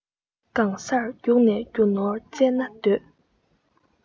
གང སར རྒྱུགས ནས རྒྱུ ནོར བཙལ ན འདོད